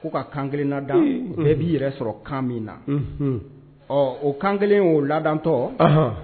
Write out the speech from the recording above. Ko ka kan kelen lada bɛɛ b'i yɛrɛ sɔrɔ kan min na ɔ o kan kelen o latɔn